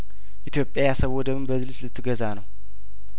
ኢትዮጵያ የአሰብ ወደብን በሊዝ ልትገዛ ነው